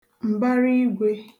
m̀baraigwē